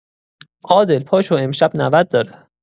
عادل پاشو امشب نود داره!